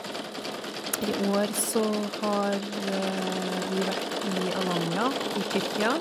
I år så har vi vært i Alanya i Tyrkia.